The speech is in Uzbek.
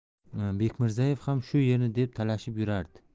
bekmirzaev ham shu yerni deb talashib yurardi